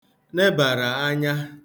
nebàrà anya